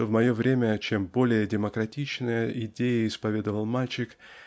что в мое время чем более демократичные идеи исповедывал мальчик